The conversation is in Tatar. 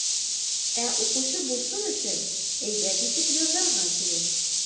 Ә укучы булсын өчен, әйбәт итеп язарга кирәк.